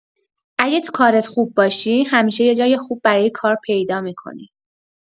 اگه تو کارت خوب باشی، همیشه یه جای خوب برای کار پیدا می‌کنی.